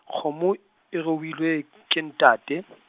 Kgomo, e ruilwe , ke ntate.